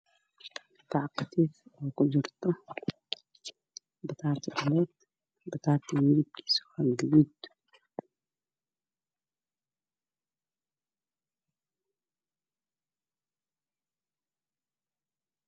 Waa bac khafiif uu ku jiro bataati